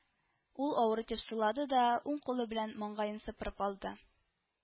Ул авыр итеп сулады да уң кулы белән маңгаен сыпырып алды